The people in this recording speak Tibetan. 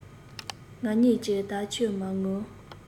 ང གཉིས ཀྱིས ད ཁྱོད མ ངུ